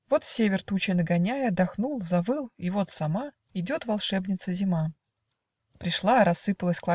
Вот север, тучи нагоняя, Дохнул, завыл - и вот сама Идет волшебница зима. Пришла, рассыпалась